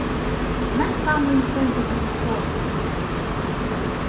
mentanin stendur fyri skotum